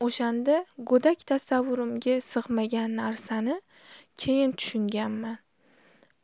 o'shanda go'dak tasavvurimga sig'magan narsani keyin tushunganman